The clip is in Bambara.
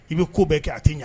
I bɛ ko bɛɛ kɛ a tɛ ɲɛ